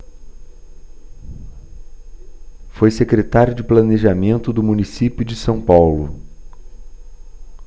foi secretário de planejamento do município de são paulo